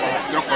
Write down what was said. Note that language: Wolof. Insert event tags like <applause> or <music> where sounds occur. jox ko <crosstalk>